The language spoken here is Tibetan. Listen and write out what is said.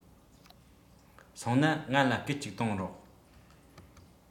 སོང ན ང ལ སྐད ཅིག གཏོང རོགས